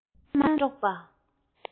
རྨི ལམ མ དཀྲོགས པ